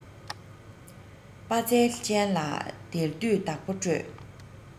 དཔའ རྩལ ཅན ལ དལ དུས བདག པོ སྤྲོད